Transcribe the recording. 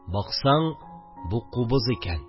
Баксаң – бу кубыз икән